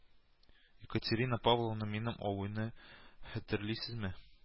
Екатерина Павловна, минем абыйны хәтерлисезме